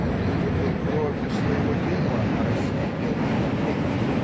он должен был кровью своего тела оросить белый платок.